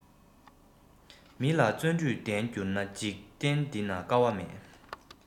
མི ལ བརྩོན འགྲུས ལྡན འགྱུར ན འཇིག རྟེན འདི ན དཀའ བ མེད